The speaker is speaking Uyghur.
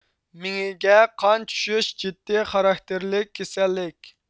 مېڭىگە قان چۈشۈش جىددىي خاراكتېرلىك كېسەللىك